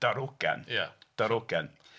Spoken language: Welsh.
Darogan... Ie... Darogan.